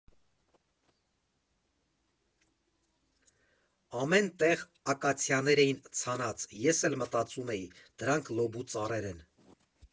Ամեն տեղ ակացիաներ էին ցանած, ես էլ մտածում էի՝ դրանք լոբու ծառեր են։